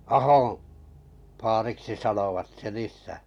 Ahon vaariksi sanoivat sen isää